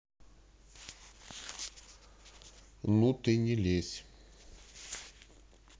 ну ты не лезь